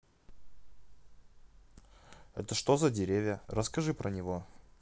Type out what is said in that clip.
это что за деревья расскажи про него